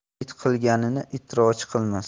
it qilganni itorchi qilmas